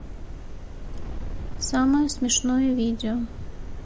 самое смешное видео